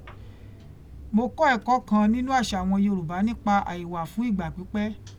Mo kọ́ ẹ̀kọ́ kan nínú àṣà àwọn Yorùbá nípa àìwàfúnìgbàpípẹ́